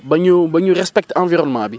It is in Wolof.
ba ñu ba ñu respecter environnement bi